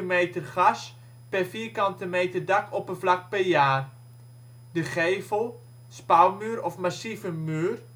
6 m³ gas per m² dakoppervlak per jaar. de gevel (spouwmuur of massieve muur